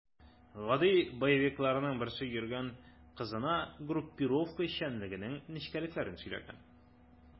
Гади боевикларның берсе йөргән кызына группировка эшчәнлегенең нечкәлекләрен сөйләгән.